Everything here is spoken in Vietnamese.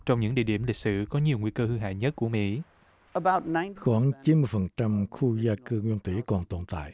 trong những địa điểm lịch sử có nhiều nguy cơ hư hại nhất của mỹ l khoảng chín mươi phần trăm khu gia cư nguyên thủy còn tồn tại